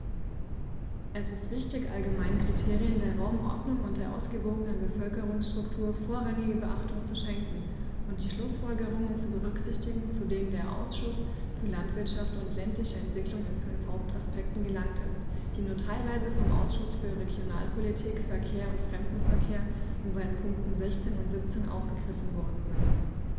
Es ist wichtig, allgemeinen Kriterien der Raumordnung und der ausgewogenen Bevölkerungsstruktur vorrangige Beachtung zu schenken und die Schlußfolgerungen zu berücksichtigen, zu denen der Ausschuss für Landwirtschaft und ländliche Entwicklung in fünf Hauptaspekten gelangt ist, die nur teilweise vom Ausschuss für Regionalpolitik, Verkehr und Fremdenverkehr in seinen Punkten 16 und 17 aufgegriffen worden sind.